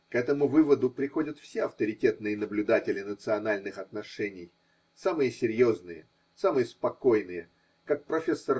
К этому выводу приходят все авторитетные наблюдатели национальных отношений, самые серьезные, самые спокойные, как проф.